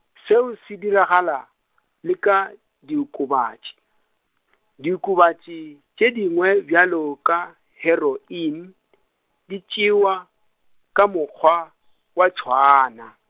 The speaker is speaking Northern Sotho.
seo se diragala, le ka diokobatši, diokobatši tše dingwe bjalo ka heroin , di tšewa, ka mokgwa, wa tšhwaana.